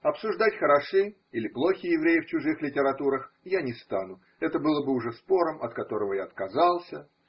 Обсуждать, хороши или плохи евреи в чужих литературах, я не стану – это было бы уже спором, от которого я отказался.